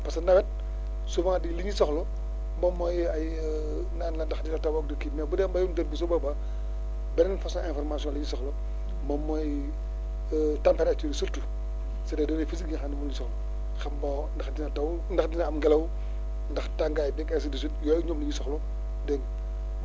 parce que nawet souvent di li ñuy soxla moom mooy ay naan la ndax dina taw ak du kii mais bu dee mbéyum dër bi su boobaa beneen façon information lañ soxla moom mooy température yi surtout c' est des données physiques yi nga xam ne moom la ñu soxla xam bon ndax dina taw ndax dina am ngelaw ndax tàngaay beeg ainsi de suite yooyu ñoom la ñu soxla dégg nga